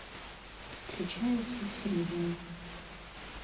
встречаются с семьей